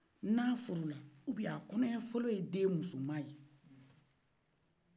n'a furula u bien a kɔnɔ ɲɛfɔlɔ den muso man ye